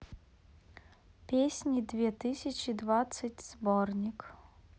песни две тысячи двадцать сборник